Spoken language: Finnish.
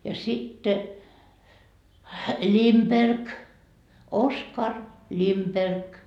ja sitten Lindberg Oskar Lindberg